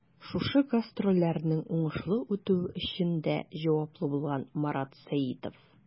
Шушы гастрольләрнең уңышлы үтүе өчен дә җаваплы булган Марат Сәитов.